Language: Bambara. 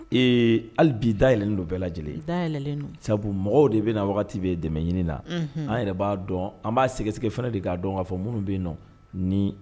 Ee hali bi dayɛlɛlen don bɛɛ lajɛlen ye, da yɛlɛlen don, sabu mɔgɔw de bɛna na wagati bɛ dɛmɛ ɲini na, unhun, an yɛrɛ b'a dɔn an b'a sɛgɛsɛgɛ fana de k'a dɔn k'a fɔ minnu bɛ yen nɔ ni